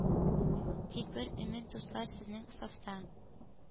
Тик бер өмит, дуслар: сезнең сафта